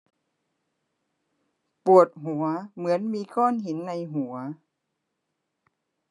ปวดหัวเหมือนมีก้อนหินในหัว